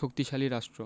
শক্তিশালী রাষ্ট্র